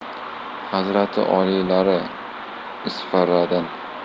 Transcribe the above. hazrati oliylari isfaradan